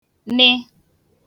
nị